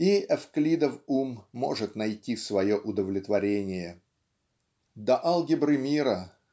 и Эвклидов ум может найти свое удовлетворение. До алгебры мира